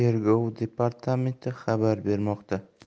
departamenti xabar bermoqda